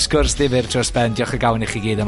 sgwrs ddifyr dros ben. Diolch o galon i chi gyd am...